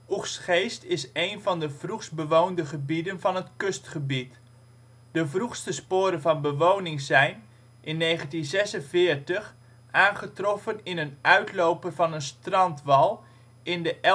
Oegstgeest is één van de vroegst bewoonde gebieden van het kustgebied. De vroegste sporen van bewoning zijn, in 1946, aangetroffen in een uitloper van een strandwal in de Elgeesterpolder